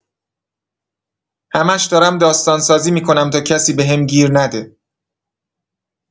همش دارم داستان‌سازی می‌کنم تا کسی بهم گیر نده!